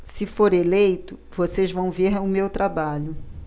se for eleito vocês vão ver o meu trabalho